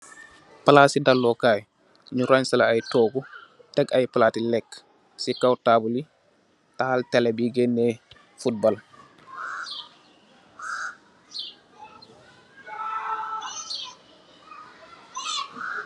Palasi dalu Kai, ñu ransileh ay tohgu, tèg ay palati lèk si kaw tabull yi, tahal tele bi gèneh fotbal.